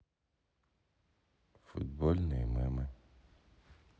футбольные мемы